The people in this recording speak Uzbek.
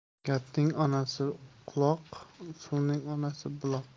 gapning onasi quloq suvning onasi buloq